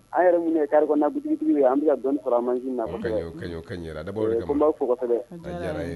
Aw yɛrɛ minnu ye kare kɔnɔna boutique tigiw ye , an bi ka dɔɔni sɔrɔu a mimaginé na kosɛbɛ. O kaɲi a dabɔla o de kama . Ee ko n baw fo kosɛbɛ .